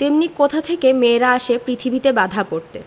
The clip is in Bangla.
তেমনি কোথা থেকে মেয়েরা আসে পৃথিবীতে বাঁধা পড়তে